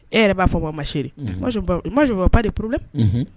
E yɛrɛ b'a fɔ ko ma se ma de pla